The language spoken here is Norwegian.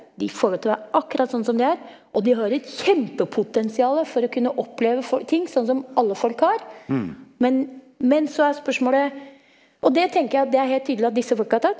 de får lov til å være akkurat som de er og de har et kjempepotensiale for å kunne oppleve ting sånn som alle folk har, men men så er spørsmålet, og det tenker jeg at det er helt tydelig at disse folka har hatt.